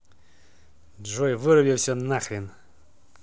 джой выруби все нахуй